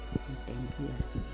mutta ei nyt vielä